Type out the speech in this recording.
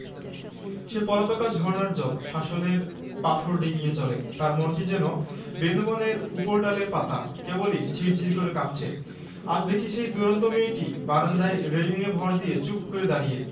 সে পলাতকা ঝরনার জল শাসনের পাথর ডিঙ্গিয়ে চলে তার মনটি যেন বেনূবনের উপরডালের পাতা কেবলি ঝির ঝির করে কাঁপছে আজ দেখি সেই দূরন্ত মেয়েটি বারান্দায় রেলিঙে ভর দিয়ে চুপ করে দাঁড়িয়ে